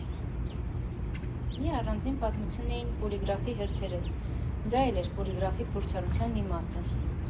Մի առանձին պատմություն էին Պոլիգրաֆի հերթերը, դա էլ էր Պոլիգրաֆի փորձառության մի մասը։